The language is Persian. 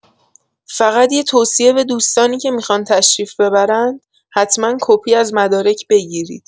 فقط یه توصیه به دوستانی که میخوان تشریف ببرند، حتما کپی از مدارک بگیرید